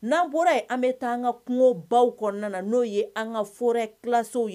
N'an bɔra ye an bɛ taa an ka kungo baw kɔnɔna na n'o ye an ka fura kilasow ye